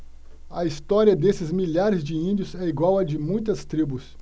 a história desses milhares de índios é igual à de muitas tribos